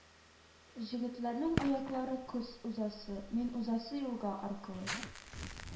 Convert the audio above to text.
Җегетләрнең аяклары кыз узасы, мин узасы юлга аркылы